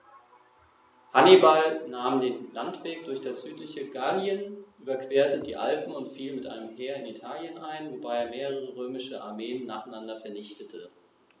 Hannibal nahm den Landweg durch das südliche Gallien, überquerte die Alpen und fiel mit einem Heer in Italien ein, wobei er mehrere römische Armeen nacheinander vernichtete.